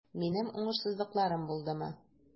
Минем уңышсызлыкларым булдымы?